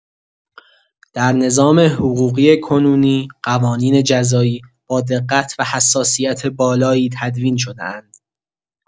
در نظام حقوقی کنونی، قوانین جزایی با دقت و حساسیت بالایی تدوین شده‌اند.